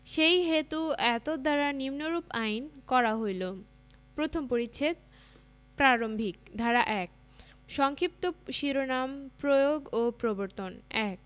সেইহেতু এতদ্বারা নিম্নরূপ আইন করা হইল প্রথম পরিচ্ছেদ প্রারম্ভিক ধারা ১ সংক্ষিপ্ত শিরোনাম প্রয়োগ ও প্রবর্তন ১